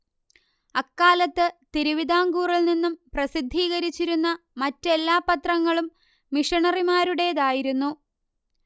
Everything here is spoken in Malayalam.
അക്കാലത്ത് തിരുവിതാംകൂറിൽ നിന്നും പ്രസിദ്ധീകരിച്ചിരുന്ന മറ്റെല്ലാ പത്രങ്ങളും മിഷണറിമാരുടേതായിരുന്നു